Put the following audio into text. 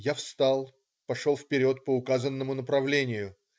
Я встал, пошел вперед по указанному направлению.